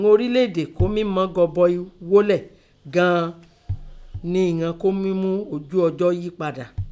Ìnan ọrílẹ̀ èdè kọ́ mí móó gọbọi ghọlé gan an nẹ ìnan kó mú ojú ọjọ́ yí padà.